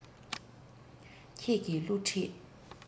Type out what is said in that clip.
ཁྱེད ཀྱི བསླུ བྲིད